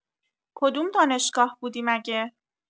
کدوم دانشگاه بودی مگه؟